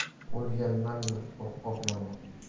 o'lgandan qo'rqqan yomon